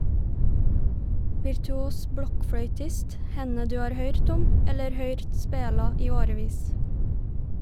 Virtuos blokkfløytist, henne du har høyrt om , eller høyrt spela, i årevis.